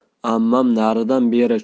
ammam naridan beri